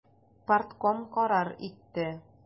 Партком карар итте.